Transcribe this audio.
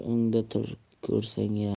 ganj o'ngda ko'rsang yanch